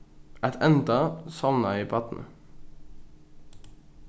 at enda sovnaði barnið